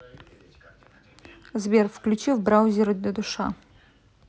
сбер включи в браузере душа